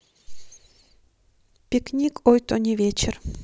пикник ой то не вечер